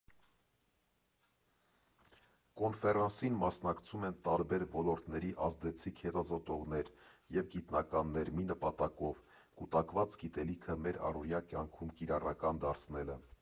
Կոնֆերանսին մասնակցում են տարբեր ոլորտների ազդեցիկ հետազոտողներ և գիտնականներ մի նպատակով՝ կուտակված գիտելիքը մեր ամենօրյա կյանքում կիրառական դարձնելը։